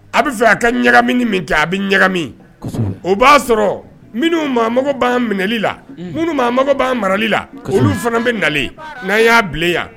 A bɛ fɛ a ka ɲaga min min ta a bɛ ɲagami o b'a sɔrɔ minnu ma mago b'an minɛli la minnu mago b'an marali la olu fana bɛ nale na y'a bila yan